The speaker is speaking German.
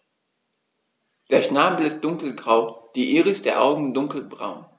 Der Schnabel ist dunkelgrau, die Iris der Augen dunkelbraun.